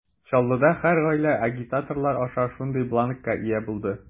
Чаллыда һәр гаилә агитаторлар аша шундый бланкка ия булды.